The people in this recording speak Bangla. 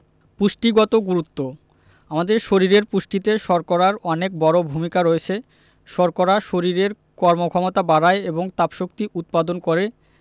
পুষ্টিগত গুরুত্ব আমাদের শরীরের পুষ্টিতে শর্করার অনেক বড় ভূমিকা রয়েছে শর্করা শরীরের কর্মক্ষমতা বাড়ায় এবং তাপশক্তি উৎপাদন করে